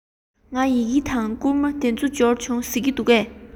ངའི ཡི གེ དང བསྐུར མ དེ ཚོ འབྱོར བྱུང ཟེར གྱི མི འདུག གས